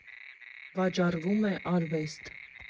Վաճառվում է արվեստ։